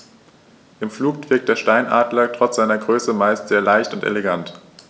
Im Flug wirkt der Steinadler trotz seiner Größe meist sehr leicht und elegant.